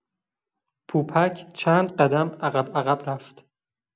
پوپک چند قدم عقب‌عقب رفت.